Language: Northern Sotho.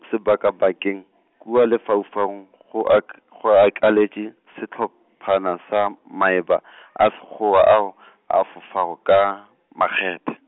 sebakabakeng, kua lefaufaung, go ak-, go akaletše, sehlophana sa m-, maeba , a Sekgowa ao , a fofago ka , makgethe.